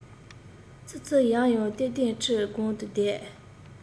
ཙི ཙི ཡར ཡོང སྟེ གདན ཁྲིའི སྒང དུ བསྡད